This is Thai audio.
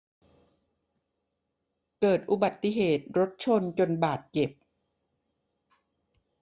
เกิดอุบัติเหตุรถชนจนบาดเจ็บ